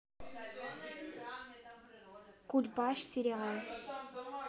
кульпаш сериал